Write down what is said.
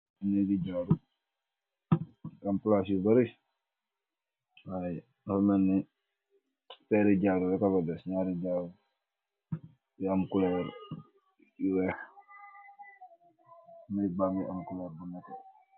Nekeh jaruh amplash yu bari ayy dafa melni meeri jaaru rekafades , naari jaruh yu emm culoor bu weeh ñaag mbageh em culoor bu neeteh.